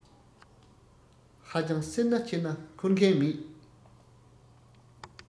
ཧ ཅང སེར སྣ ཆེ ན འཁོར མཁན མེད